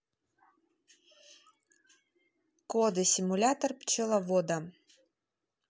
коды симулятор пчеловода